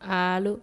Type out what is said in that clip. Haa